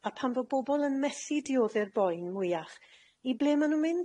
A pan fo' bobol yn methu diodde'r boen mwyach, i ble ma' nw'n mynd?